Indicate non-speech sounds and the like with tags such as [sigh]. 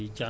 [hesitation] [hesitation]